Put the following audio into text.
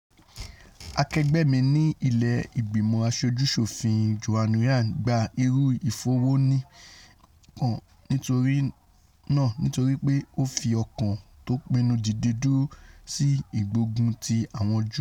Akẹgbẹ́ mi ní ilé ìgbìmọ aṣojú-ṣòfin Joan Ryan gba irú ìfọwọ́múni kan náà nítorípe o fi ọkàn tó pinnu díde dúró sí ìgbógun ti àwọn Júù.